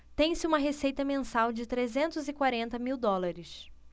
tem-se uma receita mensal de trezentos e quarenta mil dólares